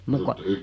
muuta kuin